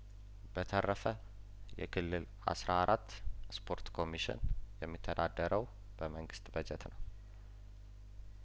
በተረፈ የክልል አስራ አራት ስፖርት ኮሚሽን የሚተዳደረው በመንግስት በጀት ነው